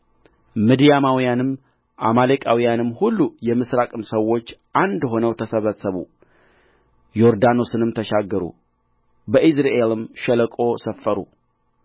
ምድያማውያንም አማሌቃውያንም ሁሉ የምሥራቅም ሰዎች አንድ ሆነው ተሰበሰቡ ዮርዳኖስንም ተሻገሩ በኢይዝራኤልም ሸለቆ ሰፈሩ